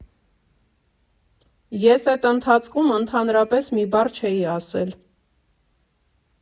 Ես էդ ընթացքում ընդհանրապես մի բառ չէի ասել։